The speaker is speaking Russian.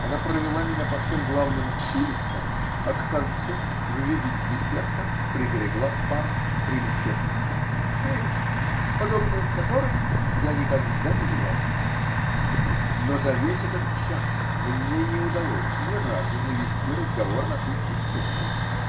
Она провела меня по всем главным "улицам", а к концу, в виде десерта, приберегла парк при лечебнице -- прелесть, подобно которой я никогда не видал, -- но за весь этот час мне не удалось ни разу навести разговор на путь истинный.